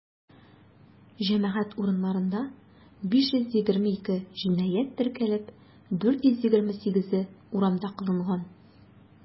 Җәмәгать урыннарында 522 җинаять теркәлеп, 428-е урамда кылынган.